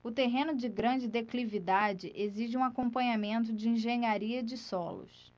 o terreno de grande declividade exige um acompanhamento de engenharia de solos